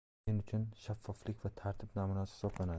u men uchun shaffoflik va tartib namunasi hisoblanadi